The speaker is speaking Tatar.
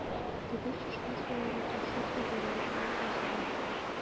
Теге чишмә сулары ташып үзәнлекне баскан.